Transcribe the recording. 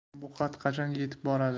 bu xat qachon yetib boradi